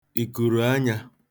ìkùrùanyā